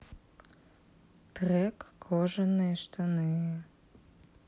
трек кожаные штаны